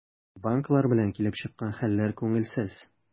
Банклар белән килеп чыккан хәлләр күңелсез.